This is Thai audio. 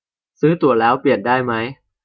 ซื้อตั๋วแล้วเปลี่ยนได้มั้ย